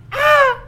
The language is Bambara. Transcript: Ɛɛ